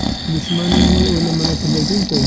dushmaningning o'limini tilaguncha